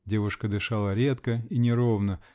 Девушка дышала редко и неровно